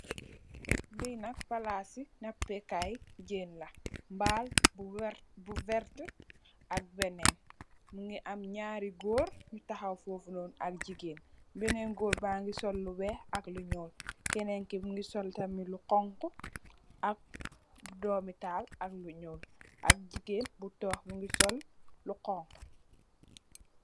Li nak palasi napéé kay jén la, mbal bu werta ak benen. Mugii am ñaari gór yu taxaw fofu noon ak jigeen. Benen gór bangi sol lu wèèx ak lu ñuul, kenen ki mugii sol tamit lu xonxu ak doomi tahal ak lu ñuul , ak jigeen bu tóóg mugii sol lu xonxu.